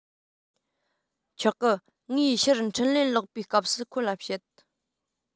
ཆོག གི ངས ཕྱིར འཕྲིན ལན ལོག པའི སྐབས སུ ཁོ ལ བཤད